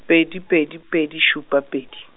pedi pedi pedi šupa pedi.